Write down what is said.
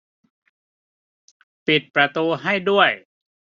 ปิดประตูให้ด้วย